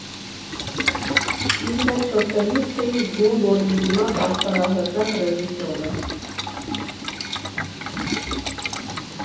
Իր հետ շփվելիս չէի զգում, որ իմ դիմաց աշխարհահռչակ ռեժիսոր է։